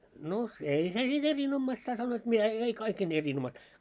no ei se niin erinomaista a sanoivat mitä - ei kaikkein erinomaista